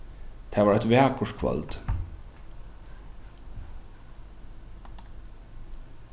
tað var eitt vakurt kvøld